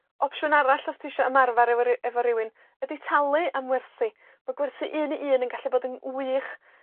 Opsiwn arall, os ti isio ymarfer efo ry- efo rywun, ydi talu am wersi. Ma' gwersi un i un yn gallu bod yn wych.